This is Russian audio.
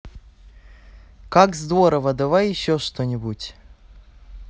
это здорово давай еще что нибудь